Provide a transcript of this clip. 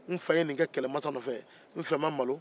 n fa ye nin kɛ kɛlɛmasa nɔfɛ n fa ma malo